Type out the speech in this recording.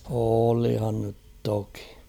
olihan nyt toki